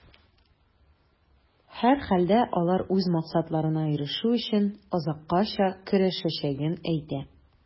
Һәрхәлдә, алар үз максатларына ирешү өчен, азаккача көрәшәчәген әйтә.